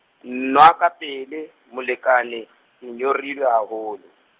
nwa ka pele, molekane, ke nyorilwe haholo.